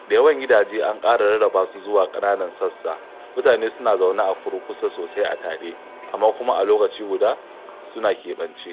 Da yawan gidaje an ƙara rarraba su zuwa ƙananan sassa. Mutane suna zaune a kurkusa sosai a tare, amma kuma a lokaci guda, suna keɓance.